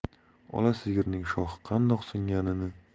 ola sigirning shoxi qandoq